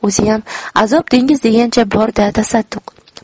o'ziyam azob dengiz degancha bor da tasadduq